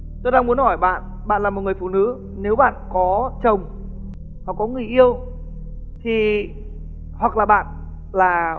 tôi đang muốn hỏi bạn bạn là một người phụ nữ nếu bạn có chồng hoặc có người yêu thì hoặc là bạn là